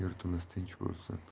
yurtimiz tinch bo'lsin